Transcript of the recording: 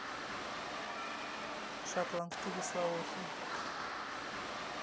шотландский вислоухий